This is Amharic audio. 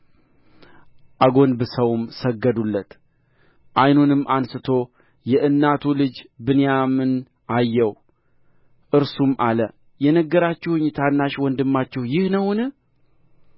አጐንብሰውም ሰገዱለት ዓይኑንም አንሥቶ የእናቱን ልጅ ብንያምን አየው እርሱም አለ የነገራችሁኝ ታናሽ ወንድማችሁ ይህ ነውን